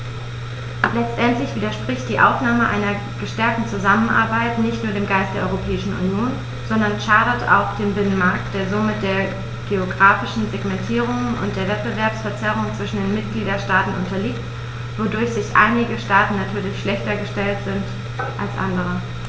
Letztendlich widerspricht die Aufnahme einer verstärkten Zusammenarbeit nicht nur dem Geist der Europäischen Union, sondern schadet auch dem Binnenmarkt, der somit der geographischen Segmentierung und der Wettbewerbsverzerrung zwischen den Mitgliedstaaten unterliegt, wodurch einige Staaten natürlich schlechter gestellt sind als andere.